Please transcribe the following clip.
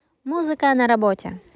музыка на работе